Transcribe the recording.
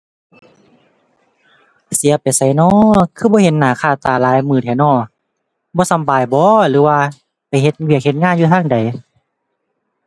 เสียไปไสน้อ คือบ่เห็นหน้าค่าตาหลายมื้อแท้น้อ บ่สำบายบ่ หรือว่าไปเฮ็ดเวียกเฮ็ดงานอยู่ทางใด